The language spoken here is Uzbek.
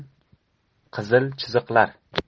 qizil chiziqlar